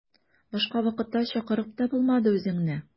Башка вакытта чакырып та булмады үзеңне.